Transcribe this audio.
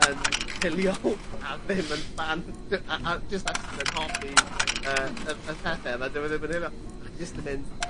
yn hiliol a ddim yn ffan a a jyst achos bod e'n hoffi yy y y pethe yna dyw e ddim yn hiliol. A chi jyst yn mynd